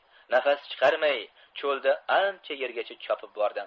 nafas chiqarmay cho'lda ancha yergacha chopib bordi